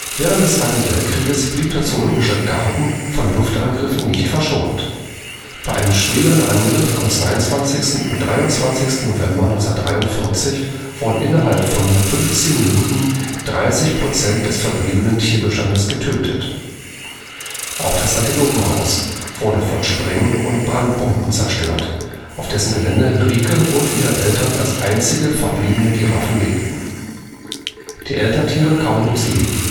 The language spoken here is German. Zweiten Weltkriegs blieb der Zoologische Garten von Luftangriffen nicht verschont. Bei einem schweren Angriff am 22. und 23. November 1943 wurden innerhalb von nur 15 Minuten 30 Prozent des verbliebenen Tierbestands getötet. Auch das Antilopenhaus wurde von Spreng - und Brandbomben zerstört, auf dessen Gelände Rieke und ihre Eltern als einzige verbliebene Giraffen lebten. Die Elterntiere kamen ums Leben